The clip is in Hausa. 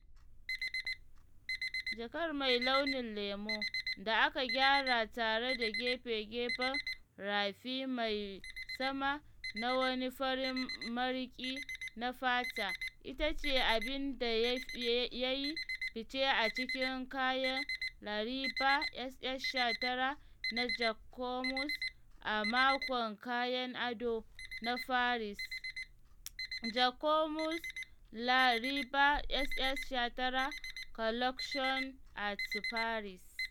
Jakar mai launin lemo, da aka gyara tare da gefe-gefen raffia mai sama na wani farin mariki na fata, ita ce abin da ya yi fice a cikin kayan La Riviera SS19 na Jacquemus a Makon Kayon Ado na Paris. Jacquemus' La Riviera SS19 collection at Paris